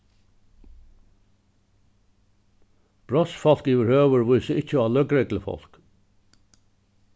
brotsfólk yvirhøvur vísa ikki á løgreglufólk